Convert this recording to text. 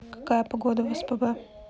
какая погода в спб